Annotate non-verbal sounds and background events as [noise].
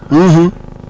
[hesitation] [hesitation] [noise]